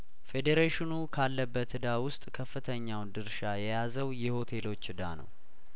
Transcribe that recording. ፌዴሬሽኑ ካለበት እዳ ውስጥ ከፍተኛውን ድርሻ የያዘው የሆቴሎች እዳ ነው